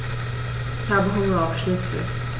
Ich habe Hunger auf Schnitzel.